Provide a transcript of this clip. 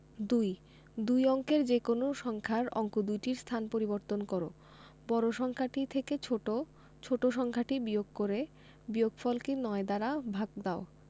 ২ দুই অঙ্কের যেকোনো সংখ্যার অঙ্ক দুইটির স্থান পরিবর্তন কর বড় সংখ্যাটি থেকে ছোট ছোট সংখ্যাটিবিয়োগ করে বিয়োগফলকে ৯ দ্বারা ভাগ দাও